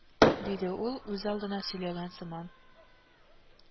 Диде ул, үзалдына сөйләнгән сыман